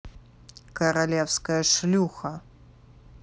королевская шлюха